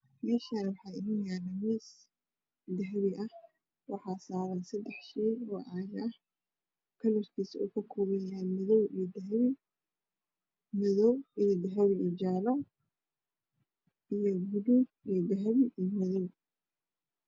Meshani waxaa inoo yala mis dahabi ah waxaa saran cag kalr kiisu yahay madow iyo dahabi iyo buluug iyo madow